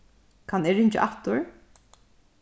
kann eg ringja aftur